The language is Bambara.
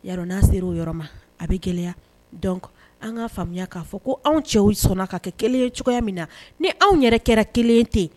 Yar n'a sera o yɔrɔ ma a bɛ gɛlɛya dɔn an kaa faamuya k'a fɔ ko anw cɛw sɔnna ka kɛ kelen cogoya min na ni anw yɛrɛ kɛra kelen tɛ yen